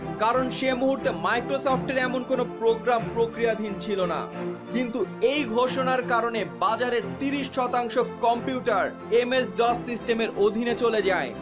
কারণ সে মুহূর্তে মাইক্রোসফট-এর এ ধরনের প্রোগ্রাম প্রক্রিয়াধীন ছিল না কিন্তু এই ঘোষণার কারণে বাজারের ৩০% কম্পিউটার এম এস সিস্টেমের অধীনে চলে যায়